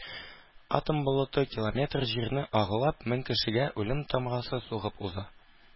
Атом болыты километр җирне агулап мең кешегә үлем тамгасы сугып уза.